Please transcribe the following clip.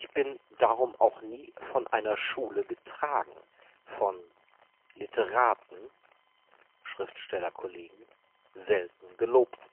bin darum auch nie von einer Schule getragen, von Literaten [Schriftstellerkollegen] selten gelobt